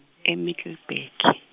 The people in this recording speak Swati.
e- Middleburg.